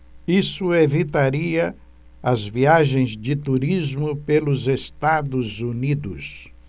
isso evitaria as viagens de turismo pelos estados unidos